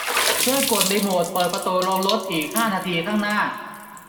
ช่วยกดรีโมทเปิดประตูโรงรถอีกห้านาทีข้างหน้า